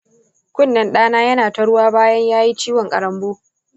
kunnen ɗana yana ta ruwa bayan yayi ciwon ƙaranbo.